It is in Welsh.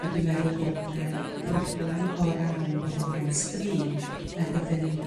A dw i'n meddwl bod 'ne broblem o ran bod o flaen sgrin nad ydan ni